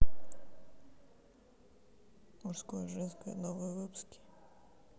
мужское женское новые выпуски